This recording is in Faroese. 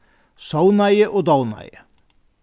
sovnaði og dovnaði